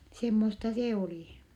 semmoista se oli